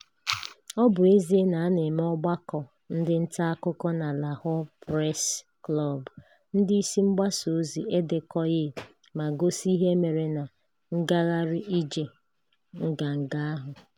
Ọ bụ ezie na a na-eme ọgbakọ ndị nta akụkọ na Lahore Press Club, ndị isi mgbasa ozi edekọghị ma gosi ihe mere na Ngagharị Ije Nganga ahụ.